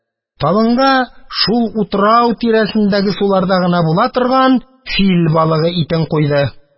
Табынга шул утрау тирәсендәге суларда гына була торган фил балыгы итен куйды.